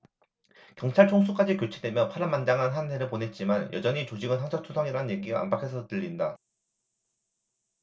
경찰 총수까지 교체되며 파란만장한 한 해를 보냈지만 여전히 조직은 상처 투성이라는 얘기가 안팎에서 들린다